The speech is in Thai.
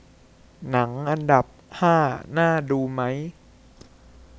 หนังอันดับห้าน่าดูไหม